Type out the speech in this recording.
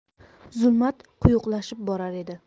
zulmat quyuqlashib borar edi